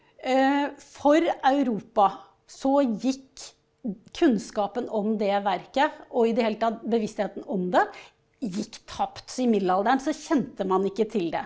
for Europa så gikk kunnskapen om det verket, og i det hele tatt bevisstheten om det, gikk tapt, så i middelalderen så kjente man ikke til det.